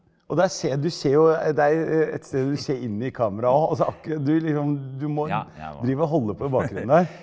og der ser du ser jo det er et sted du ser inn i kamera òg og så du liksom du må driver og holder på i bakgrunnen der.